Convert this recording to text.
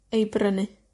ei brynu.